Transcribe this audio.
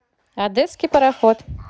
одесский пароход